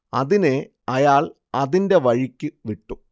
അതിനെ അയാൾ അതിന്റെ വഴിക്ക് വിട്ടു